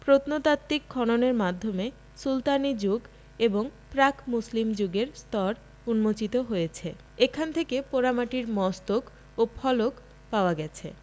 প্রত্নতাত্ত্বিক খননের মাধ্যমে সুলতানি যুগ এবং প্রাক মুসলিম যুগের স্তর উন্মোচিত হয়েছে এখান থেকে পোড়ামাটির মস্তক ও ফলক পাওয়া গেছে